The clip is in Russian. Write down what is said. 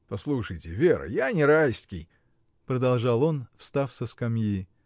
— Послушайте, Вера: я не Райский, — продолжал он, встав со скамьи.